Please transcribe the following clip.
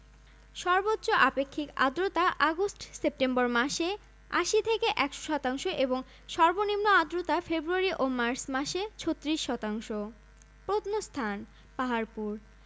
রাজশাহী বরিশাল সিলেট এবং রংপুর জেলা ৬৪টি উপজেলা ৪৮৩টি ও থানা ৫৯৯টি